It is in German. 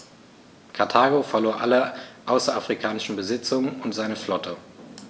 Karthago verlor alle außerafrikanischen Besitzungen und seine Flotte.